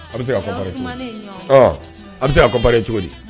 A bɛ se ka comparer cogo di? o y'an sumalen ɲɔgɔnna dɛ, ɔ a bɛ se ka comparer cogo di?